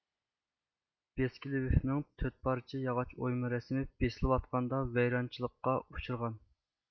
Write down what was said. بىسكىلىۋىفنىڭ تۆت پارچە ياغاچ ئويما رەسىمى بېسىلىۋاتقاندا ۋەيرانچىلىققا ئۇچرىغان